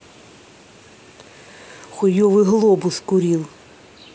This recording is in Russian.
хуевый глобус курил